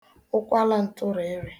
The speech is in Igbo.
ụkwalà ntụrịiri